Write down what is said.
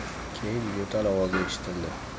keyin yo'tal ovozi eshitildi